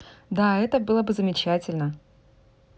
да это было бы замечательно